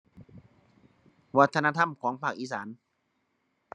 วัฒนธรรมของภาคอีสาน